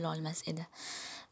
bilolmas edi